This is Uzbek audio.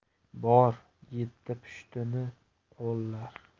bor yetti pushtini qo'llar